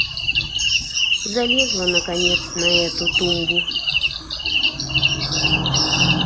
залезла наконец на эту тумбу